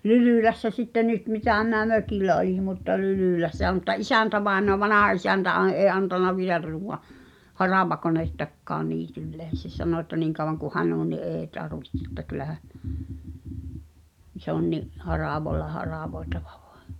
Lylylässä sitten nyt mitä minä mökillä olin mutta Lylylässä mutta isäntävainaja vanhaisäntä - ei antanut vielä tuoda haravakonettakaan niitylleen se sanoi että niin kauan kuin hän on niin ei tarvitse että kyllähän se on niin haravalla haravoitava vain